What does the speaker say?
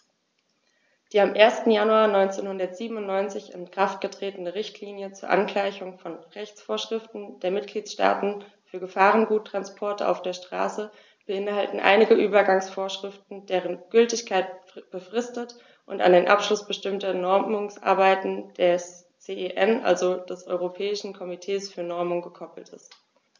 Die am 1. Januar 1997 in Kraft getretene Richtlinie zur Angleichung von Rechtsvorschriften der Mitgliedstaaten für Gefahrguttransporte auf der Straße beinhaltet einige Übergangsvorschriften, deren Gültigkeit befristet und an den Abschluss bestimmter Normungsarbeiten des CEN, also des Europäischen Komitees für Normung, gekoppelt ist.